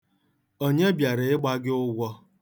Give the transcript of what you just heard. Onye bịara ịgba gị ụgwọ?